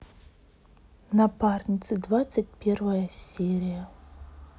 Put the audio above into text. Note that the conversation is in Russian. напарницы двадцать первая серия